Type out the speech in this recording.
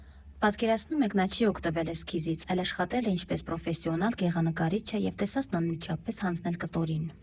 Պատկերացնում եք, նա չի օգտվել էսքիզից, այլ աշխատել է ինչպես պրոֆեսիոնալ գեղանկարիչը և տեսածն անմիջապես հանձնել կտորին։